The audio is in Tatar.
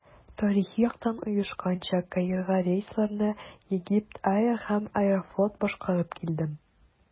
Тарихи яктан оешканча, Каирга рейсларны Egypt Air һәм «Аэрофлот» башкарып килде.